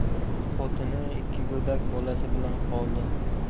xotini ikki go'dak bolasi bilan qoldi